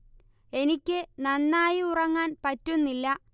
എനിക്ക് നന്നായി ഉറങ്ങാൻ പറ്റുന്നില്ല